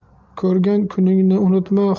ko'rgan kuningni unutma